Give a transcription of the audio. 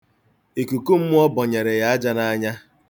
Ikukummụọ bọnyere ya aja n'anya.